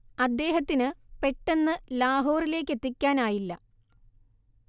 അദ്ദേഹത്തിന് പെട്ടെന്ന് ലാഹോറിലേക്കെത്തിക്കാനായില്ല